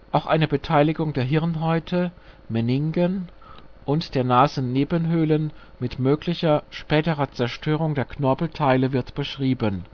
Auch ein Beteiligung der Hirnhäute (Meningen) und der Nasennebenhöhlen mit möglicher späterer Zerstörung der Knorpelteile wird beschrieben